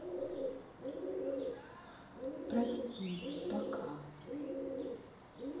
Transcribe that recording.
прости пока